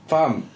Pam?